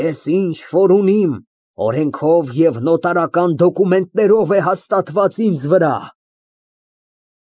Ես ինչ որ ունիմ, օրենքով և նոտարական դոկումենտներով է հաստատված ինձ վրա։